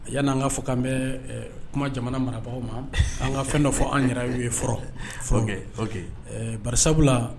Yan nan ka fɔ' an bɛ kuma jamana marabagaw ma an ka fɛn dɔ fɔ an yɛrɛ yeke ba sabula la